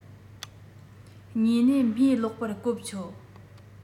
གཉིས ནས རྨོས སློག པར གོ ཆོད